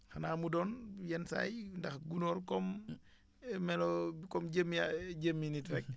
xanaa mu doon yenn saa yi ndax gunóor comme melo comme jëmmi jëmmi nit rek